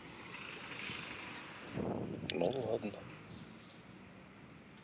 ну ладно